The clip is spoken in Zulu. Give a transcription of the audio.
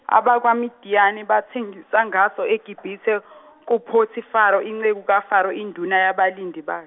AbakwaMidiyani bathengisa ngaso eGibithe kuPotifari, inceku kaFaro, induna yabalindi ba.